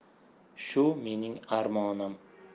shu mening armonim